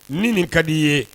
Min nin ka di i ye